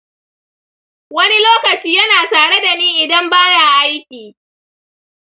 wani lokaci yana tare da ni idan baya aiki.